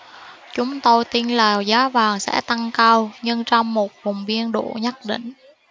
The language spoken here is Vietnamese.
chúng tôi tin là giá vàng sẽ tăng cao nhưng trong một vùng biên độ nhất định